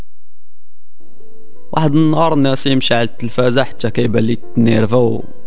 وادي النار مشاهده التلفاز حكايه